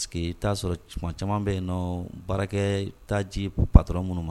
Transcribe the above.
Pa parce que t'a sɔrɔ caman caman bɛ yen n nɔ baarakɛ taa ji patturara minnu ma